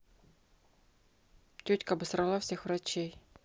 тетька обосрала всех врачей